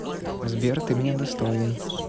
сбер ты меня достоин